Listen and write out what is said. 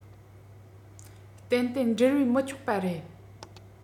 ཏན ཏན བྲེལ བས མི ལྕོགས པ རེད